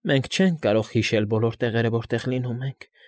Մենք չենք կարող հիշ֊շ֊շել բոլոր տեղերը, որտեղ լինում ենք։